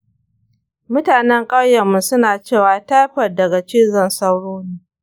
mutanen ƙauyenmu suna cewa taifoid daga cizon sauro ne.